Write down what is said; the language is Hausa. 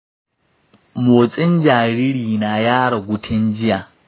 motsin jariri na ya ragu tin jiya.